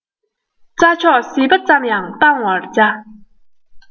རྩྭ མཆོག ཟིལ པ ཙམ ཡང སྤང བར བྱ